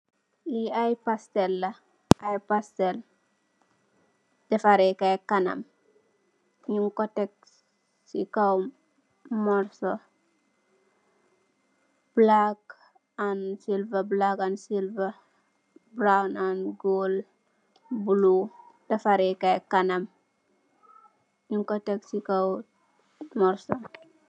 Lii aiiy pastel la, aiiy pastel, defarehh kaii kanam, njung kor tek cii kaw morsoh, black and silver, black and silver, brown and gold, blue defarehh kaii kanam, njung kor tek cii kaw morsoh.